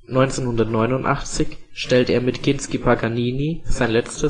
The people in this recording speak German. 1989 stellt er mit Kinski Paganini sein letztes